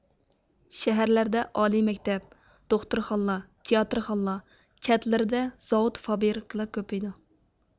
شەھەرلەردە ئالىي مەكتەپ دوختۇرخانىلار تىياتىرخانىلار چەتلىرىدە زاۋۇت فابرىكىلار كۆپىيىدۇ